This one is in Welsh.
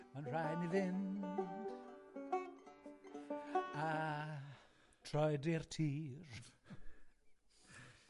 ma'n rhai' ni fynd a troed i'r tir